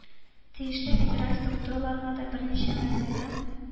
Тиешле федераль структураларга да берничә мәртәбә